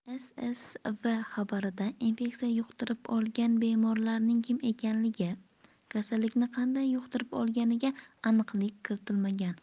ssv xabarida infeksiya yuqtirib olgan bemorlarning kim ekanligi kasallikni qanday yuqtirib olganiga aniqlik kiritilmagan